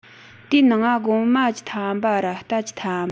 དེའི ནང ང རྒོད མ བཅོ ལྔ ར རྟ བཅུ ཐམ པ